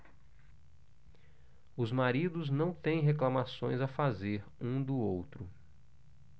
os maridos não têm reclamações a fazer um do outro